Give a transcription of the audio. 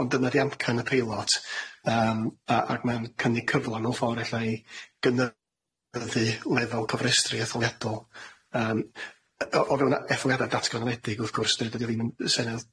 ond dyna di amcan y peilot yym a- ag ma'n cynnig cyfla mewn ffor ella i gyn yddu lefel cyfrestru etholiadol yym yy o o fewn a- etholiada datganwedig wrth gwrs dy- dydi o ddim yn senedd.